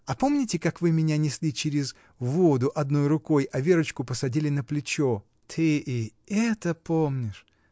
А помните, как вы меня несли через воду одной рукой, а Верочку посадили на плечо? — Ты и это помнишь?